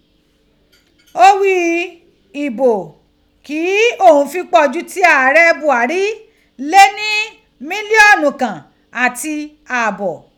O ghii ibo ki oun fi pọ ju ti aarẹ Buhari le ni miliọnu kan ati aabọ.